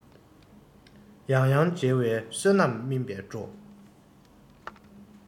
ཡང ཡང མཇལ བའི བསོད ནམས སྨིན པས སྤྲོ